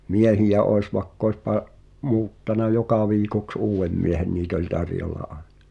miehiä olisi vaikka olisi - muuttanut joka viikoksi uuden miehen niitä oli tarjolla aina